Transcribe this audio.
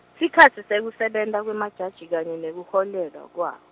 sikhatsi sekusebenta kwemajaji kanye nekuholelwa kwaw-.